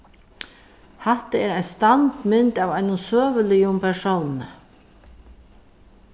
hatta er ein standmynd av einum søguligum persóni